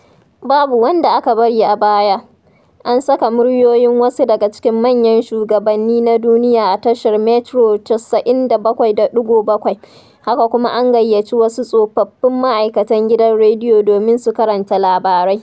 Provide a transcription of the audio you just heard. Babu wanda aka bari a baya. An saka muryoyin wasu daga cikin manyan shugabanni na duniya a tashar Metro 97.7. Haka kuma an gayyaci wasu tsofaffin ma'aikatan gidan rediyo domin su karanta labarai.